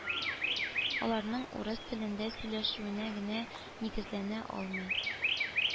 Аларның урыс телендә сөйләшүенә генә нигезләнә алмый.